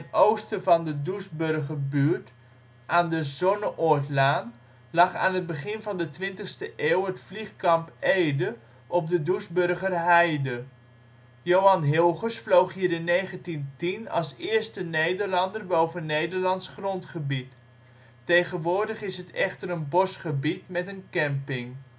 oosten van de Doesburgerbuurt, aan de Zonneoordlaan, lag aan het begin van de 20ste eeuw het Vliegkamp Ede op de Doesburger Heide. Johan Hilgers vloog hier in 1910 als eerste Nederlander boven Nederlands grondgebied. Tegenwoordig is het echter een bosgebied met een camping